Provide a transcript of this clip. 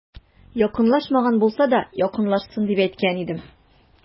Якынлашмаган булса да, якынлашсын, дип әйткән идем.